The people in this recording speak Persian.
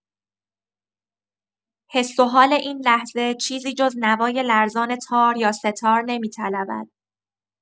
حس و حال این لحظه چیزی جز نوای لرزان تار یا سه‌تار نمی‌طلبد.